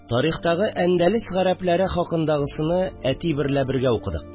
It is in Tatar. Тарихтагы Әндәлес гарәпләре хакындагысыны әти берлә бергә укыдык